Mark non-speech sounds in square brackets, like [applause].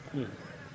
[hesitation] [hesitation]